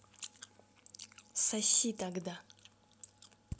соси тогда